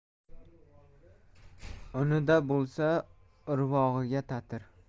unida bo'lsa urvog'iga tatir